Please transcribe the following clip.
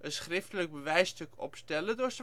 schriftelijk bewijsstuk opstellen, door